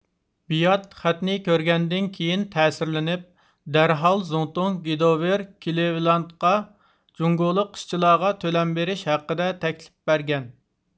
بېياد خەتنى كۆرگەندىن كېيىن تەسىرلىنىپ دەرھال زۇڭتۇڭ گدوۋېر كلېۋېلاندقا جۇڭگولۇق ئىشچىلارغا تۆلەم بېرىش ھەققىدە تەكلىپ بەرگەن